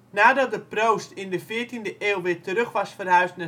Nadat de proost in de veertiende eeuw weer terug was verhuisd